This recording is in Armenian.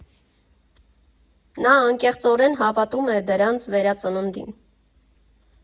Նա անկեղծորեն հավատում է դրանց վերածննդին։